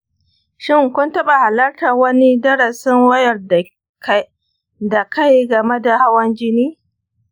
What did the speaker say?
shi kun taɓa halartar wani darasin wayar da kai game da hawan-jini?